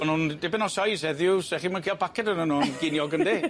O'n nw'n dipyn o seis heddiw se chi'm yn ca'l baced oyn nw am geiniog yndi?